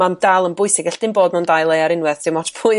ma' dal yn bwysig elli di'm bod mewn dau le ar unweth diom ots pwy